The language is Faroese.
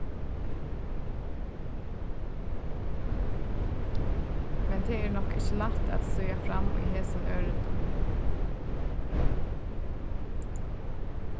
men tað er nokk ikki lætt at stíga fram í hesum ørindum